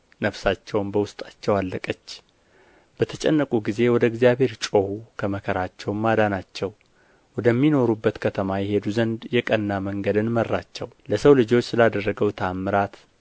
ነፍሳቸውም በውስጣቸው አለቀች በተጨነቁ ጊዜ ወደ እግዚአብሔር ጮኹ ከመከራቸውም አዳናቸው ወደሚኖሩበት ከተማ ይሄዱ ዘንድ የቀና መንገድን መራቸው ለሰው ልጆች ስላደረገው ተኣምራት